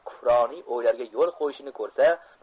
kufroniy o'ylarga yo'l qo'yishini ko'rsa